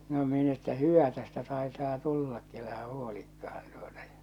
no minä että hyvä tästä taitaa tullakin älä huolikaan tuota ja